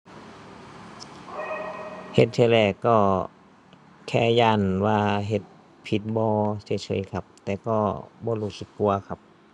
เฮ็ดเทื่อแรกก็แค่ย้านว่าเฮ็ดผิดบ่เฉยเฉยครับ แต่ก็บ่รู้สึกกลัวครับ